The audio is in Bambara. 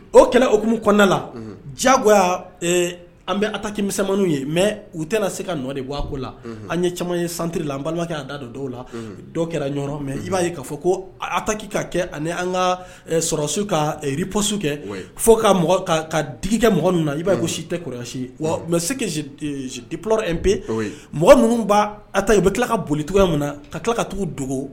O kɛlɛ okumu kɔnɔnada la jago an bɛ a takimimani ye mɛ u tɛna se ka nɔ de bɔ ako la an ye caman ye santiririla la an balimakɛ' da don dɔw la dɔw kɛra yɔrɔ mɛ i b'a ye'a fɔ ko a taki ka kɛ ani an ka sɔrɔ su kap su kɛ fo ka ka digikɛ mɔgɔ min i b'a gosi si tɛ korasi mɛ sep pe mɔgɔ minnu b' a ta yen u bɛ tila ka boli cogoyaya min na ka tila ka tugu dogo